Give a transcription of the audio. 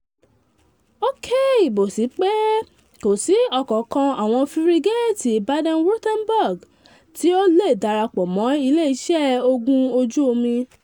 Ó ké ìbòsí pe kò sí ọ̀kankan àwọn fírígéètì Baden-Wuerttemberg-class tí ó le darapọ̀ mọ́ Ilé iṣẹ́ Ogún ojú omi.